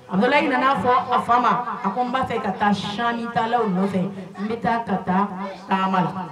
A dɔla in ɲina fɔ a fa ma a ko n baa fɛ ka taa s talaww nɔfɛ n bɛ taa ka taa taama la